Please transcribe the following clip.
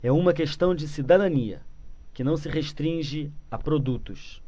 é uma questão de cidadania que não se restringe a produtos